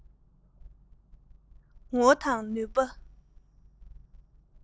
ངོ བོ དང ནུས པ